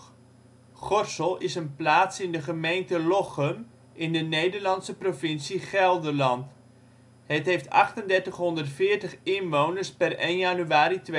Gossel) is een plaats in de gemeente Lochem in de Nederlandse provincie Gelderland. Het heeft 3840 inwoners (1 januari 2008